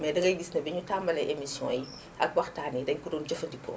mais dangay gis ne biñu tàmbalee émissions yi ak waxtaan yi dañu ko doon jafandikoo